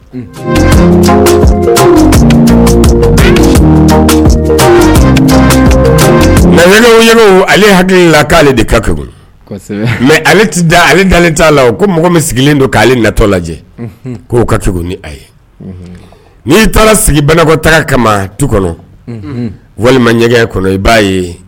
Nka ale hakili la k'ale de ka mɛ ale da ale dalen t'a la o ko mɔgɔ min sigilen don k'ale natɔ lajɛ k' ka kɛku ni a ye n'i taara sigi banakɔtaa kama tu kɔnɔ walima ɲɛgɛngɛ kɔnɔ i b'a ye